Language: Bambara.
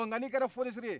ɔ n'ka n'i kɛra fonisire ye